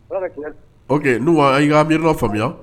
Ya miri faamuya